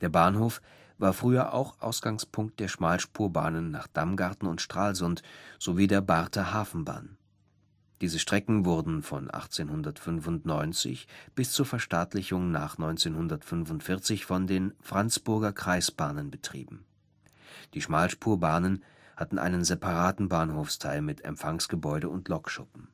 Bahnhof war früher auch Ausgangspunkt der Schmalspurbahnen nach Damgarten und Stralsund sowie der Barther Hafenbahn. Diese Strecken wurden von 1895 bis zur Verstaatlichung nach 1945 von den Franzburger Kreisbahnen betrieben. Die Schmalspurbahnen hatten einen separaten Bahnhofsteil mit Empfangsgebäude und Lokschuppen